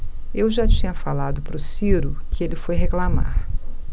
eu já tinha falado pro ciro que ele foi reclamar